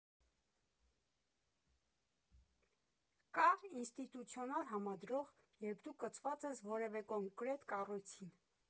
Կա ինստիտուցիոնալ համադրող, երբ դու կցված ես որևէ կոնկրետ կառույցին։